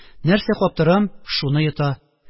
Нәрсә каптырам – шуны йота